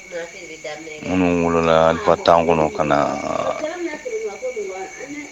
Minnu wolola